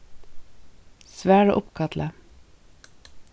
svara uppkalli